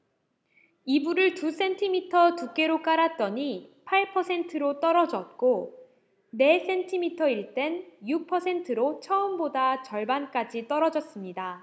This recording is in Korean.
이불을 두 센티미터 두께로 깔았더니 팔 퍼센트로 떨어졌고 네 센티미터일 땐 육 퍼센트로 처음보다 절반까지 떨어졌습니다